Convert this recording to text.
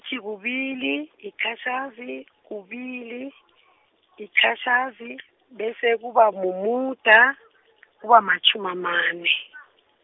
-zi kubili, liqatjhazi kubili, liqatjhazi bese kuba mumuda, kuba matjhumi amane.